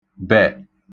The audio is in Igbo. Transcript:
-bẹ̀